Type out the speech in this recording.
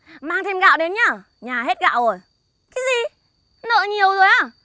mang thêm gạo đến nhá nhà hết gạo rồi cái gì nợ nhiều rồi á